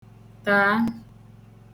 tàa